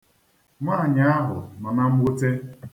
Nwaanyị ahụ nọ na mwute.